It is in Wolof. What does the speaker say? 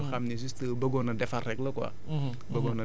bëggoon a sant yàlla la quoi mais lu ci dëng tamit